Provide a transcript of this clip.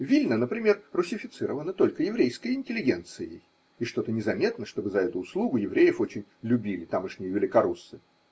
Вильна, например, руссифицирована только еврейской интеллигенцией: и что-то незаметно, чтобы за эту услугу евреев очень любили тамошние великороссы.